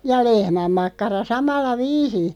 ja lehmänmakkara samalla viisiin